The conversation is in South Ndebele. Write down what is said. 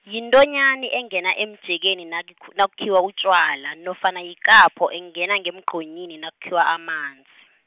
yintonyani engena emjekeni nakikhu- nakukhiwa utjwala, nofana yikapho engena ngemgqonyini nakukhiwa amanzi.